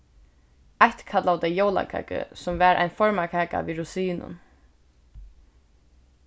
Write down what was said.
eitt kallaðu tey jólakaku sum var ein formakaka við rosinum